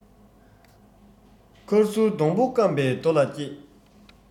ཁ སུར སྡོང པོ སྐམ པོའི རྡོ ལ སྐྱེས